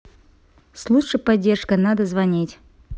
с лучшей поддержкой надо звонить